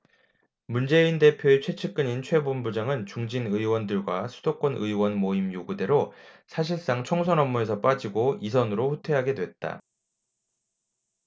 문재인 대표의 최측근인 최 본부장은 중진 의원들과 수도권 의원 모임 요구대로 사실상 총선 업무에서 빠지고 이 선으로 후퇴하게 됐다